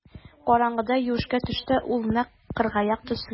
Караңгыда юешкә төште ул нәкъ кыргаяк төсле.